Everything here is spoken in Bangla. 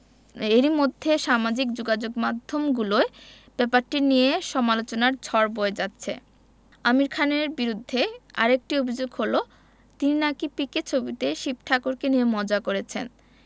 এরই মধ্যে সামাজিক যোগাযোগমাধ্যমগুলোয় ব্যাপারটি নিয়ে সমালোচনার ঝড় বয়ে যাচ্ছে আমির খানের বিরুদ্ধে আরেকটি অভিযোগ হলো তিনি নাকি পিকে ছবিতে শিব ঠাকুরকে নিয়ে মজা করেছেন